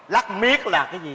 lắc miếc là cái gì